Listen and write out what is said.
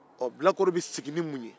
ɔ bilakoro bɛ sigi ni mun ye